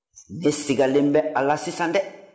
ne sigalen bɛ a la sisan dɛ